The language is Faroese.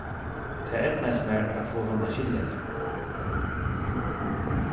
tað eydnaðist mær at fáa hann at skilja tað